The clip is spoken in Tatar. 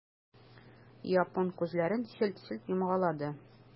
Япон күзләрен челт-челт йомгалады.